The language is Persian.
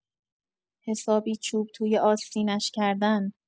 حسابی چوب توی آستینش کردن